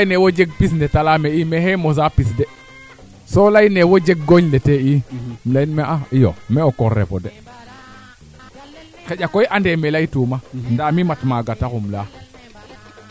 kaaga taxun kay parce que o ndeeta ngaan mi de naa an dilwum naa andilwum mboɗ moƴ'u seera ɓasi ga'a mboonda jarooga nga kilo xarɓeen tadik ɓasi jara kilo xarɓeen nik